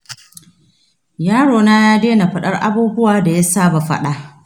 yarona ya daina faɗar abubuwan da ya saba faɗa